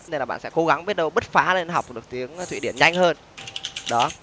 nên là bạn sẽ cố gắng biết đâu bứt phá lên học được tiếng thụy điển nhanh hơn đó